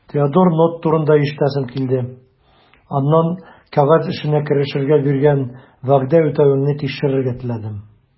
Теодор Нотт турында ишетәсем килде, аннан кәгазь эшенә керешергә биргән вәгъдә үтәвеңне тикшерергә теләдем.